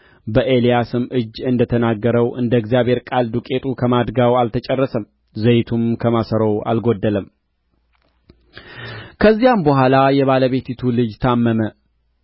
በኤልያስም እጅ እንደ ተናገረው እንደ እግዚአብሔር ቃል ዱቄቱ ከማድጋው አልተጨረሰም ዘይቱም ከማሰሮው አልጎደለም ከዚያም በኋላ የባለቤቲቱ ልጅ ታመመ